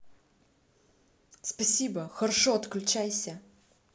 спасибо хорошо отключайся